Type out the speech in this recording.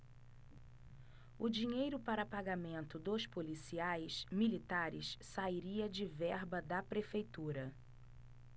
o dinheiro para pagamento dos policiais militares sairia de verba da prefeitura